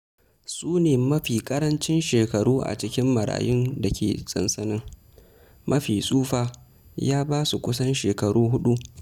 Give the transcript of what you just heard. Su ne mafi ƙarancin shekaru a cikin marayun da ke sansanin; mafi tsufa ya ba su kusan shekaru huɗu.